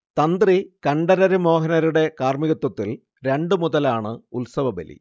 തന്ത്രി കണ്ഠരര് മോഹനരുടെ കാർമികത്വത്തിൽ രണ്ടുമുതലാണ് ഉത്സവബലി